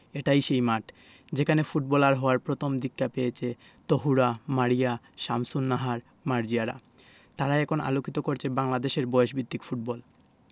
এটাই সেই মাঠ যেখানে ফুটবলার হওয়ার প্রথম দীক্ষা পেয়েছে তহুরা মারিয়া শামসুন্নাহার মার্জিয়ারা তারা এখন আলোকিত করছে বাংলাদেশের বয়সভিত্তিক ফুটবল